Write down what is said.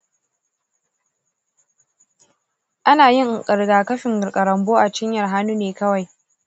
ana yin rigakafin karonbo a cinyar hanu ne kawai.